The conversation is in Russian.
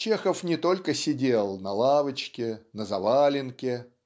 Чехов не только сидел на лавочке на завалинке